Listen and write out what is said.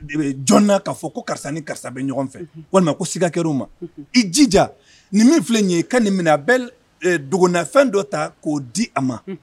Jɔn kaa fɔ ko karisa ni karisa bɛ ɲɔgɔn fɛ walima ko sigakɛr' ma i jija nin min filɛ ye ka nin minɛ a bɛ dogonafɛn dɔ ta k'o di a ma